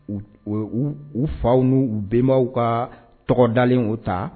U u u u faw n' u bɛnenbaww ka tɔgɔdalen' ta